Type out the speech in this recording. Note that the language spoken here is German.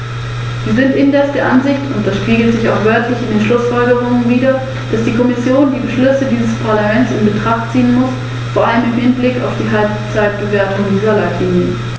In der EU werden große Mengen gefährlicher Güter auf der Straße, Schiene und Wasserstraße befördert, und dafür benötigen wir effektive Rechtsvorschriften.